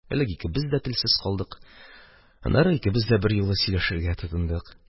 Элек икебез дә телсез калдык, аннары икебез дә берьюлы сөйләшергә тотындык.